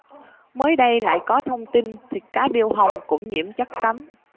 mới đây lại có thông tin thịt cá điêu hồng cũng nhiễm chất cấm